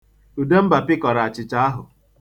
Udemba pịkọrọ achịcha ahụ.